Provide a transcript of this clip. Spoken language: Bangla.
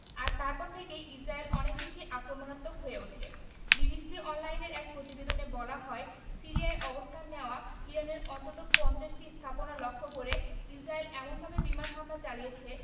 আর তারপর থেকেই ইসরায়েল অনেক বেশি আক্রমণাত্মক হয়ে ওঠে বিবিসি অনলাইনের এক প্রতিবেদনে বলা হয় সিরিয়ায় অবস্থান নেওয়া ইরানের অন্তত ৫০টি স্থাপনা লক্ষ্য করে ইসরায়েল এমনভাবে বিমান হামলা চালিয়েছে